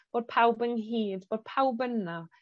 Bod pawb ynghyd, bo' pawb yna